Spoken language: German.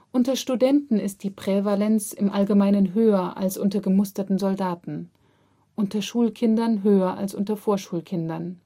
Unter Studenten ist die Prävalenz im Allgemeinen höher als unter gemusterten Soldaten, unter Schulkindern höher als unter Vorschulkindern